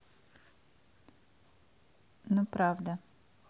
ну правда